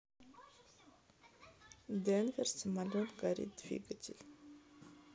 денвер самолет горит двигатель